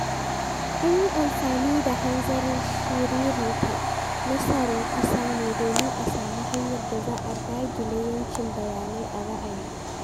An yi amfani da hanzarin shiririta na "tsaron ƙasa" ne domin a samu hanyar da za a daƙile 'yancin bayyana ra'ayi.